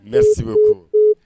Merci beaucoup .